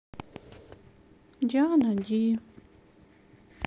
диана ди